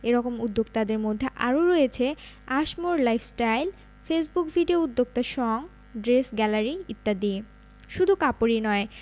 এ রকম উদ্যোক্তাদের মধ্যে আরও রয়েছে আসমোর লাইফস্টাইল ফেসবুক ভিডিও উদ্যোক্তা সঙ ড্রেস গ্যালারি ইত্যাদি শুধু কাপড়ই নয়